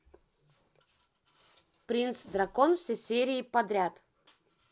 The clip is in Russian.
принц дракон все серии подряд